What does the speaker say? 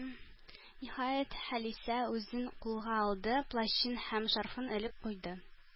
Ниһаять, Халисә үзен кулга алды, плащын һәм шарфын элеп куйды.